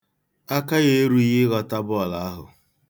Aka ya erughị ịghọta bọọlụ ahụ.